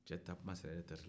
cɛ taa kuma sera eretereti la